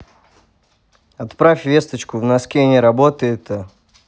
отправь весточку в носке не работает то